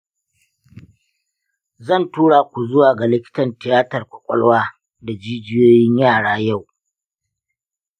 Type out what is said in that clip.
zan tura ku zuwa ga likitan tiyatar kwakwalwa da jijiyoyin yara yau.